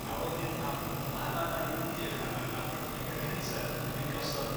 A wedyn, yym, ma' ma' ma' hi wych, ma' ma' ma'r brawddegau cynta'n yn gosod